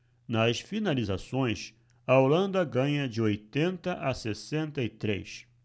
nas finalizações a holanda ganha de oitenta a sessenta e três